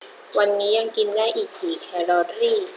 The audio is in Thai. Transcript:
วันนี้ยังกินได้อีกกี่แคลอรี่